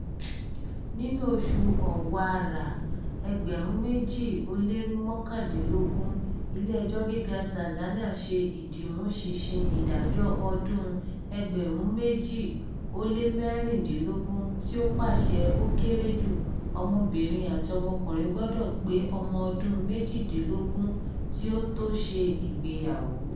Nínú oṣù Ọ̀wàrà 2019, ilé ẹjọ́ gíga Tanzania ṣe ìdímú ṣinṣin ìdájọ́ ọdún-un 2016 tí ó pàṣẹ ó kéré jù, ọmọbìnrin àti ọmọkùnrin gbọdọ̀ pé ọmọ ọdún méjìdínlógún kí ó tó ṣe ìgbéyàwó.